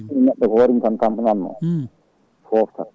sinno neɗɗo ko hoore mum tan tampinanno